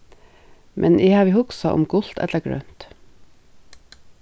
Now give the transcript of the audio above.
men eg havi hugsað um gult ella grønt